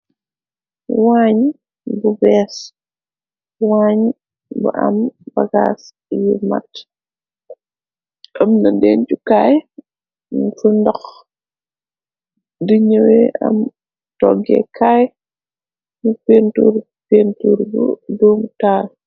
Waañ bu bees waañ bu am bagaas yi mat ëm na dencukaay fu ndox duñuwe am togge kaay nu pentuur pentuur bu duumu taal.